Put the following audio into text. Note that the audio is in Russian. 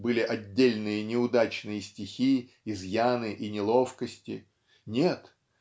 были отдельные неудачные стихи из'яны и неловкости нет